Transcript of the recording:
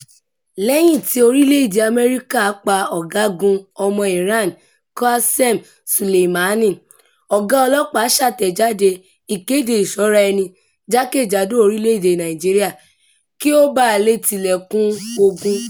Lẹ́yìn tí orílẹ̀-èdèe Amẹ́ríkà pa Ọ̀gágun ọmọ Iran Qasem Soleimani, ọ̀gá ọlọ́pàá ṣàtẹ̀jáde ìkéde ìṣọ́ra-ẹni jákèjádò orílẹ̀-èdè Nàìjíríà kí ó ba lè tilẹ̀kùn "ogun".